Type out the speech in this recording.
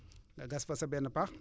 nga gas fa sa benn pax